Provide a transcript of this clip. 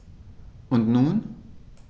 Und nun?